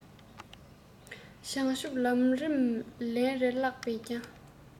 བྱང ཆུབ ལམ རིམ ལན རེ བཀླགས པས ཀྱང